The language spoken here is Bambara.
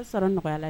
Be sɔrɔ nɔgɔya la